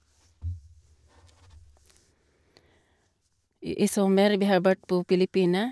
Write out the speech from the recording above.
i I sommer vi har vært på Filippinene.